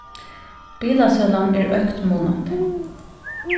bilasølan er økt munandi